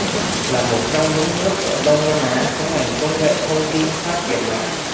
là một trong những nước ở đông nam á có ngành công nghệ thông tin phát triển mạnh